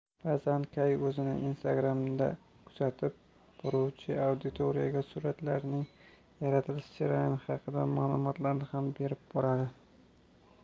ba'zan kay o'zini instagram'da kuzatib boruvchi auditoriyaga suratlarining yaratilish jarayoni haqidagi ma'lumotlarni ham berib boradi